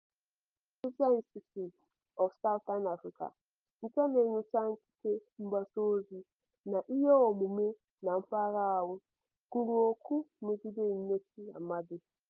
The Media Institute of Southern Africa, nke na-enyocha ikike mgbasaozi na iheomume na mpaghara ahụ, kwuru okwu megide nwụchi Amade: